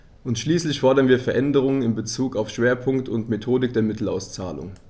Und schließlich fordern wir Veränderungen in bezug auf Schwerpunkt und Methodik der Mittelauszahlung.